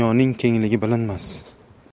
dunyoning kengligi bilinmas